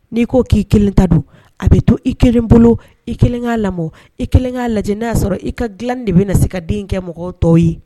N'i ko k'i kelen ta don a bɛ to i kelen bolo i kelen k'a lamɔ i kelen k'a lajɛ n'a y'a sɔrɔ i ka dilan de bɛ na se ka denkɛ kɛ mɔgɔw tɔw ye